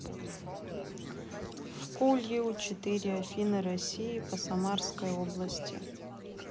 фку лиу четыре афина россии по самарской области